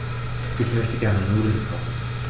Ich möchte gerne Nudeln kochen.